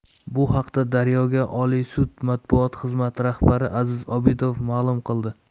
bu haqda daryo ga oliy sud matbuot xizmati rahbari aziz obidov ma'lum qildi